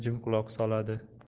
jim quloq soladi